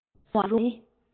འཇིགས སུ རུང བ ནི